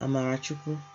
Àmàràchukwu